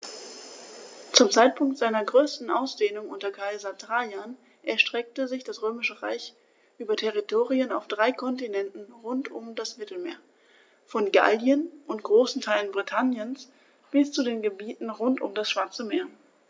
Zum Zeitpunkt seiner größten Ausdehnung unter Kaiser Trajan erstreckte sich das Römische Reich über Territorien auf drei Kontinenten rund um das Mittelmeer: Von Gallien und großen Teilen Britanniens bis zu den Gebieten rund um das Schwarze Meer.